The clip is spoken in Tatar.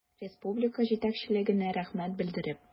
Республика җитәкчелегенә рәхмәт белдереп.